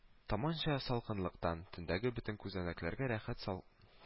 Таманча салкынлыктан төндәге бөтен күзәнәкләргә рәхәт сал